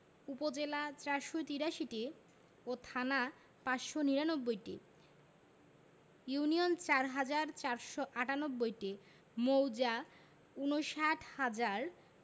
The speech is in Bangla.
উপজেলা ৪৮৩টি ও থানা ৫৯৯টি ইউনিয়ন ৪হাজার ৪৯৮টি মৌজা ৫৯হাজার